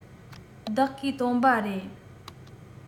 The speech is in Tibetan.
བདག གིས བཏོན པ རེད